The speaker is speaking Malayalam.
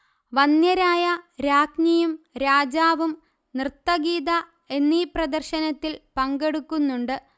വന്ദ്യരായ രാജ്ഞിയും രാജാവും നൃത്തഗീത എന്നീ പ്രദർശനത്തിൽ പങ്കെടുക്കുന്നുണ്ട്